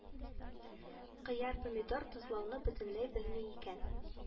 Кыяр-помидор тозлауны бөтенләй белми икән